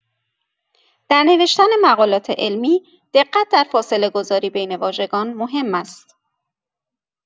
در نوشتن مقالات علمی دقت در فاصله‌گذاری بین واژگان مهم است.